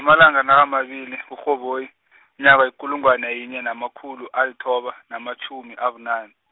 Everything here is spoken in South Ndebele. amalanga nakamabili , kuRhoboyi, umnyaka yikulungwana yinye namakhulu alithoba, namatjhumi abunane.